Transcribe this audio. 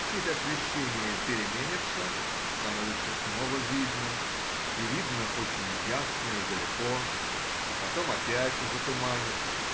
чуть освещение переменится, становится снова видно, и видно очень ясно и далеко, а потом опять затуманит.